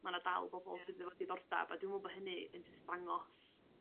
ma' 'na dal bobol... Ia. ...sydd efo diddordab a dwi me'wl bo' hynny yn jys dangos